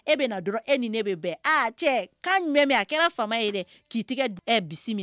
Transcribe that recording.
E bɛ na dɔrɔn e ni ne bɛ bɛn aa cɛ kan jumɛn bɛ yen a kɛra fama ye dɛ k'i tɛgɛ ɛ bisimila